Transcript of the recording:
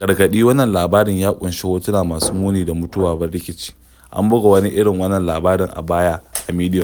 Gargaɗi: wannan labarin ya ƙunshi hotuna masu muni na mutuwa ba rikici: An buga wani irin wannan labarin a baya a Medium.